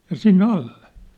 ja sinne alle